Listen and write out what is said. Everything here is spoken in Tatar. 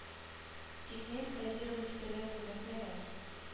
Тик мин позировать итәргә күнекмәгән